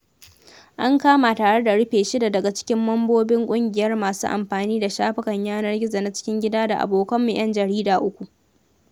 An kama tare da rufe shida daga cikin mambobin ƙungiyar masu amfani da shafukan yanar gizo na cikin gida da abokanmu 'yan jarida uku.